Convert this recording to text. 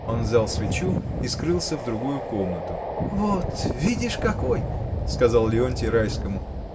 Он взял свечу и скрылся в другую комнату. — Вот — видишь какой! — сказал Леонтий Райскому.